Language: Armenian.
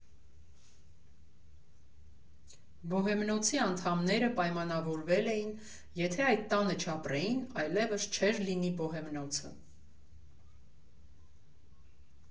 Բոհեմնոցի անդամները պայմանավորվել էին՝ եթե այդ տանը չապրեին, այլևս չէր լինի Բոհեմնոցը։